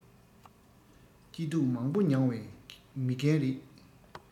སྐྱིད སྡུག མང པོ མྱོང བའི མི རྒན རེད